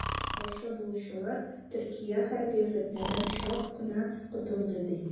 Каршы булучылар, Төркия хәрби фетнәдән чак кына котылды, ди.